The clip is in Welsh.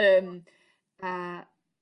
Yym a